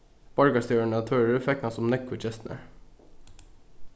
borgarstjórin á tvøroyri fegnast um nógvu gestirnar